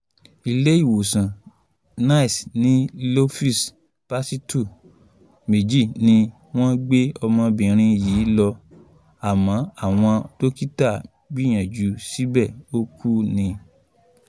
Ilé-ìwòsàn Nice ní Louis Pasteur 2 ni wọ́n gbé ọmọbìnrin yìí lọ àmọ́ àwọn dókítà gbìyànjú, síbẹ̀, ó kú ni.